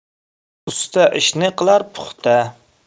usta ishni qilar puxta